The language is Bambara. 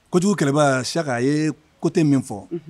Kojugu kɛlɛbaga Saka a ye coté min fɔ.